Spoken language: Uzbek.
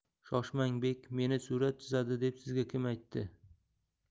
shoshmang bek meni surat chizadi deb sizga kim aytdi